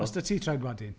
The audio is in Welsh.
Oes 'da ti traedwadyn?